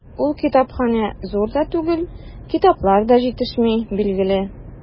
Ул китапханә зур да түгел, китаплар да җитешми, билгеле.